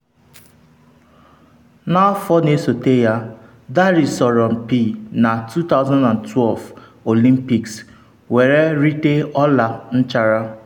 N’afọ na-esote ya, Daley sọrọ mpi na 2012 Olympics were rite ọla nchara.